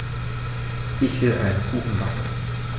Ich will einen Kuchen backen.